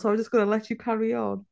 So, I'm just gonna let you carry on.